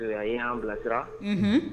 A ye y'an bilasirahun